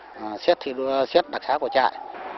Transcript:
xét thi đua xét đặc xá của trại